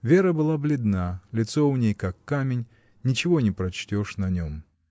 Вера была бледна, лицо у ней как камень: ничего не прочтешь на нем.